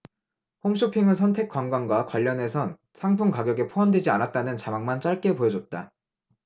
홈쇼핑은 선택관광과 관련해선 상품 가격에 포함되지 않았다는 자막만 짧게 보여줬다